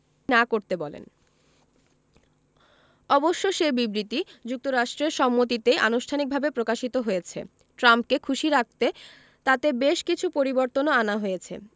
না করতে বলেন অবশ্য সে বিবৃতি যুক্তরাষ্ট্রের সম্মতিতেই আনুষ্ঠানিকভাবে প্রকাশিত হয়েছে ট্রাম্পকে খুশি রাখতে তাতে বেশ কিছু পরিবর্তনও আনা হয়েছে